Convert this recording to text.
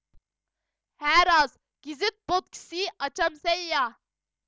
ھە راست گېزىت بوتكىسى ئاچامسەن يا